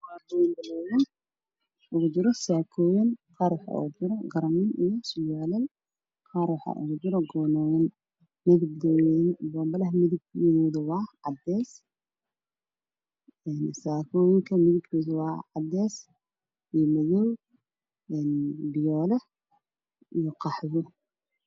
Waa boonbalooyin waxaa kujiro saakooyin qaarna garamo iyo surwaalo iyo goonooyin ayaa kujiro. Midabka boonbaluhu waa cadeys, saakooyinku waa cadeys, madow, fiyool iyo qaxwi.